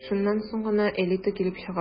Шуннан соң гына «элита» килеп чыга...